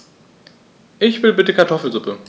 Ich will bitte Kartoffelsuppe.